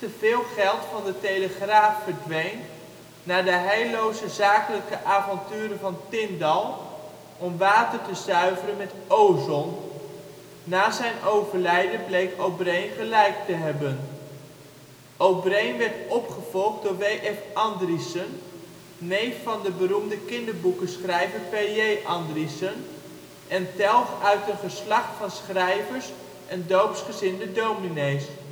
veel geld van de Telegraaf verdween naar de heilloze zakelijke avonturen van Tindal om water te zuiveren met ozon (na zijn overlijden bleek Obreen gelijk te hebben). Obreen werd opgevolgd door W.F. Andriessen, neef van de beroemde kinderboekenschrijver P.J. Andriessen en telg uit een geslacht van schrijvers en doopsgezinde dominees